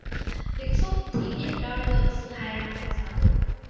vĩnh phúc thí điểm đo lường sự hài lòng với giáo dục